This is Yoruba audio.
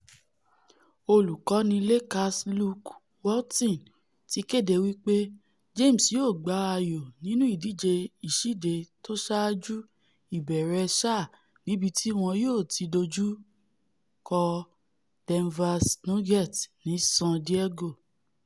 Olùkọ́ni Lakers Luke Walton ti kéde wí pé James yóò gba ayò nínú ìdíje ìsíde tósáájú ìbẹ̀rẹ̀ sáà níbití wọn yóò ti dojúkọ Denvers Nuggets ní San Diego.